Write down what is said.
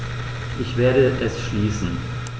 Ich werde es schließen.